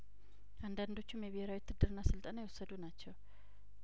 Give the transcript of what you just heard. አንዳንዶቹም የብሄራዊ ውትድርና ስልጠና የወሰዱ ናቸው